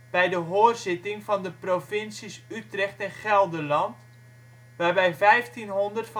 bij de hoorzitting van de provincies Utrecht en Gelderland, waarbij 1.500 van de 4.600 inwoners